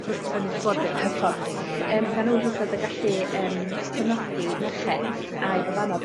Hyff- yn eu hyfforddiant? Hyffordd- yym ma' n'w hyd yn o'd yn gallu yym cefnogi merched a'u babanod